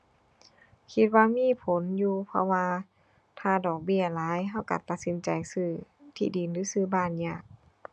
คิดว่ามีผลอยู่ เพราะว่า ถ้าดอกเบี้ยหลายเราเราตัดสินใจซื้อที่ดินหรือซื้อบ้านยาก